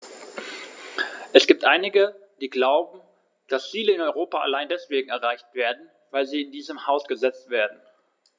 Es gibt einige, die glauben, dass Ziele in Europa allein deswegen erreicht werden, weil sie in diesem Haus gesetzt werden.